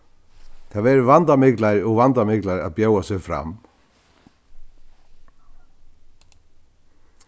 tað verður vandamiklari og vandamiklari at bjóða seg fram